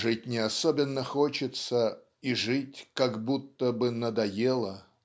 "Жить не особенно хочется, и жить как будто бы надоело"